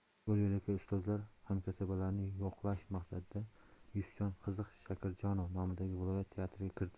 yo'l yo'lakay ustozlar hamkasblarni yo'qlash maqsadida yusufjon qiziq shakarjonov nomidagi viloyat teatriga kirdim